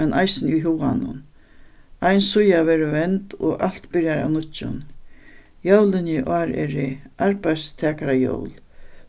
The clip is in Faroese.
men eisini í huganum ein síða verður vend og alt byrjar av nýggjum jólini í ár eru arbeiðstakarajól